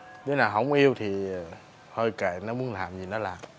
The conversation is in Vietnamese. đứa nào hổng yêu thì thôi kệ nó muốn làm gì nó làm